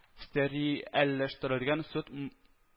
Стериәлләштерелгән сөт